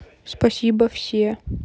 спасибо все